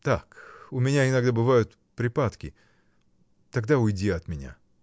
— Так; у меня иногда бывают припадки. тогда уйди от меня.